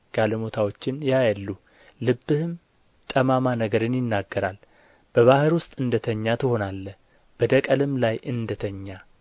ጋለሞታዎችን ያያሉ ልብህም ጠማማ ነገርን ይናገራል በባሕር ውስጥ እንደ ተኛ ትሆናለህ በደቀልም ላይ እንደ ተኛ